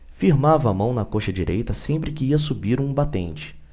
firmava a mão na coxa direita sempre que ia subir um batente